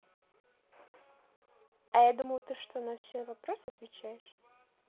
а я думал ты что на все вопросы отвечаешь